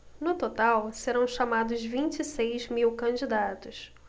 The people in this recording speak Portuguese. no total serão chamados vinte e seis mil candidatos